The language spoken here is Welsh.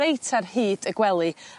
reit ar hyd y gwely